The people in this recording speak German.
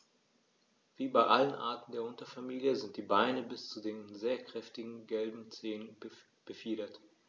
Wie bei allen Arten der Unterfamilie sind die Beine bis zu den sehr kräftigen gelben Zehen befiedert.